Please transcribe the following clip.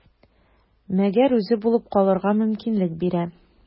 Мәгәр үзе булып калырга мөмкинлек бирә.